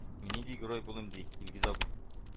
– мин нинди герой булыйм ди, илгиз абый